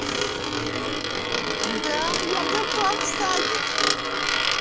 да я готов садик